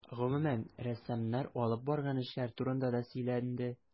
Гомүмән, рәссамнар алып барган эшләр турында да сөйләнде.